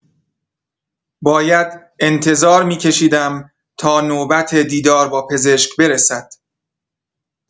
باید انتظار می‌کشیدم تا نوبت دیدار با پزشک برسد.